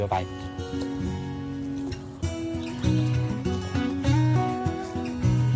o faint.